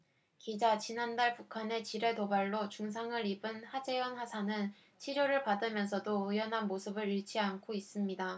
기자 지난달 북한의 지뢰 도발로 중상을 입은 하재헌 하사는 치료를 받으면서도 의연한 모습을 잃지 않고 있습니다